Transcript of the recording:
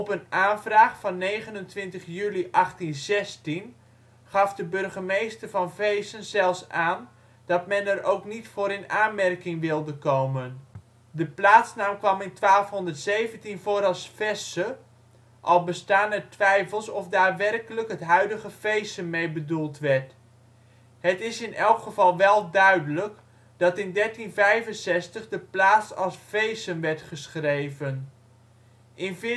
een aanvraag van 29 juli 1816 gaf de burgemeester van Veessen zelfs aan dat men er ook niet voor in aanmerking wilde komen. De plaatsnaam kwam in 1217 voor als Vesce, al bestaan er twijfels of daar werkelijk het huidige Veessen mee bedoeld werd. Het is in elk geval wel duidelijk dat in 1365 de plaats als Vesen werd geschreven. In 1459